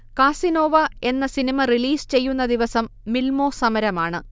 Casanova എന്ന cinema release ചെയ്യുന്ന ദിവസം മില്മാേ സമരമാണ്